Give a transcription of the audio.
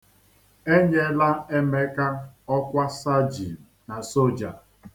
E nyela Emeka ọkwa sajin na soja.